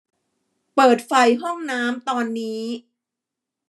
เปิดไฟห้องน้ำตอนนี้